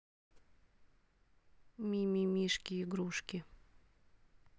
ми ми мишки игрушки